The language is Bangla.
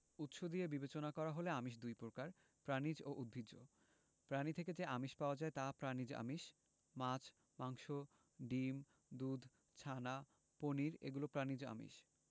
উৎস দিয়ে বিবেচনা করা হলে আমিষ দুই প্রকার প্রাণিজ ও উদ্ভিজ্জ প্রাণী থেকে যে আমিষ পাওয়া যায় তা প্রাণিজ আমিষ মাছ মাংস ডিম দুধ ছানা পনির এগুলো প্রাণিজ আমিষ